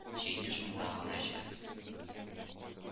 Чәйне шунда гына эчәрбез